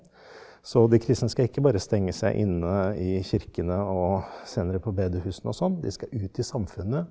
så de kristne skal ikke bare stenge seg inne i kirkene og senere på bedehusene og sånn de skal ut i samfunnet.